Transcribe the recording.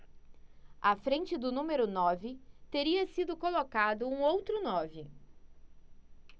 à frente do número nove teria sido colocado um outro nove